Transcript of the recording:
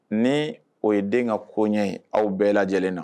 Ni o ye den ka ko ɲɛ ye aw bɛɛ lajɛlen na